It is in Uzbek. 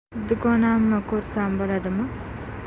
dugonamni ko'rsam bo'ladimi